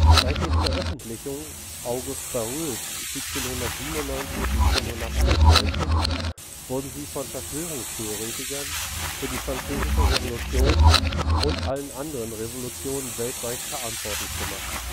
Seit den Veröffentlichungen Augustin Barruels 1797 / 1798 wurden sie von Verschwörungstheoretikern für die Französische Revolution und allen anderen Revolutionen weltweit verantwortlich gemacht